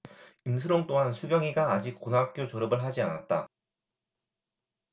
임슬옹 또한 수경이가 아직 고등학교 졸업을 하지 않았다